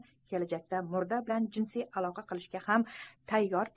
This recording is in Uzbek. kelajakda murda bilan jinsiy aloqa qilishga ham tayyor